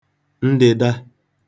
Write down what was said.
ndị̄dā